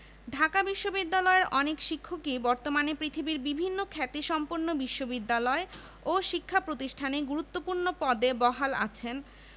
মোহাম্মদ সাদেকও নির্মমভাবে নিহত হন নানা প্রতিকূলতার মধ্যেও ছাত্র শিক্ষকদের সম্মিলিত প্রচেষ্টার ফলে